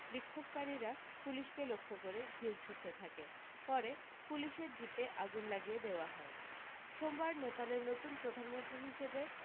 বিক্ষোভকারীরা পুলিশকে লক্ষ্য করে ঢিল ছুঁড়তে থাকে পরে পুলিশের জিপে আগুন লাগিয়ে দেওয়া হয় সোমবার নেপালের নতুন প্রধানমন্ত্রী হিসেবে